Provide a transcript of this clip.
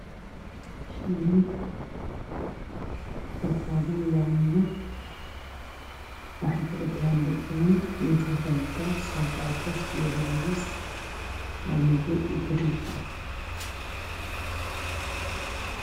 Waa waddo ay tuurayeen dad badan nin duq